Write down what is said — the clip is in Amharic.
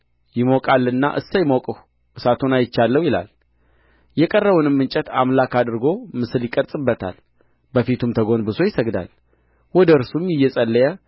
ይሞቃልና እሰይ ሞቅሁ እሳቱን አይቻለሁ ይላል የቀረውንም እንጨት አምላክ አድርጎ ምስል ይቀርጽበታል በፊቱም ተጐንብሶ ይሰግዳል ወደ እርሱም እየጸለየ